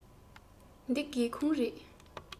འདི སྒེའུ ཁུང རེད